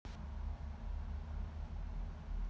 соси хуй у тракториста